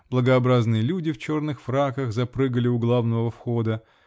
благообразные люди в черных фраках запрыгали у главного входа